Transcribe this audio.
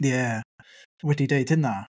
Ie wedi dweud hynna...